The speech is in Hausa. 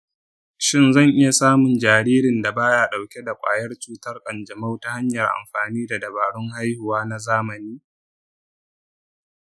shin zan iya samun jaririn da ba ya ɗauke da ƙwayar cutar kanjamau ta hanyar amfani da dabarun haihuwa na zamani?